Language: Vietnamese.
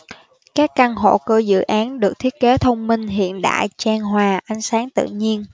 các căn hộ của dự án được thiết kế thông minh hiện đại chan hòa ánh sáng tự nhiên